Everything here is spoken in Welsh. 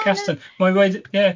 Castan, mae'n raid, ie.